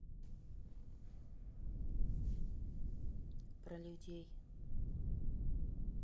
про людей